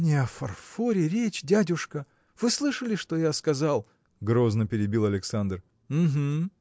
– Не о фарфоре речь, дядюшка; вы слышали, что я сказал? – грозно перебил Александр. – Мм-м!